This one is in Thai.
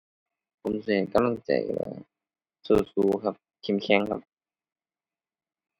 ผมสิให้กำลังใจว่าสู้สู้ครับ เข็มแข็งครับ